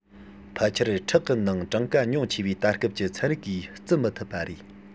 ཕལ ཆེར ཁྲག གི ནང གྲངས ཀ ཉུང ཆེ བས ད སྐབས ཀྱི ཚན རིག གིས རྩི མ ཐུབ པ རེད